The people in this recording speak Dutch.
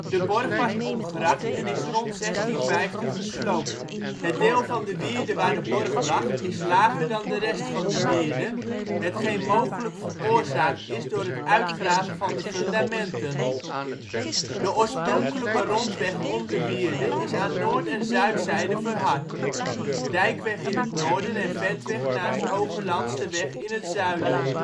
De borg was omgracht en is rond 1650 gesloopt. Het deel van de wierde waar de borg lag is lager dan de rest van de wierde, hetgeen mogelijk veroorzaakt is door het uitgraven van de fundamenten. De oorspronkelijke rondweg om de wierde is aan noord - en zuidzijde verhard (Dijkweg in het noorden en ventweg naast Hogelandsterweg in het zuiden